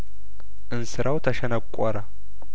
እንስራው ተሸነቆረ